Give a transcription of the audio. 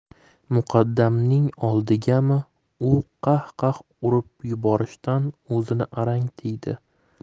muqaddamning oldigami u qah qah urib yuborishdan o 'zini arang tiydi